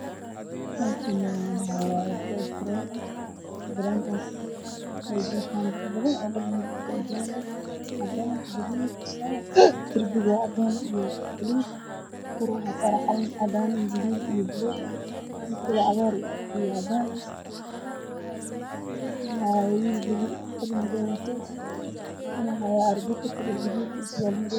Meeshan waa garoon waxaa jooga daro badan waxa ay fadhiyaan tarbuunka ciyaarta ay daawanayaan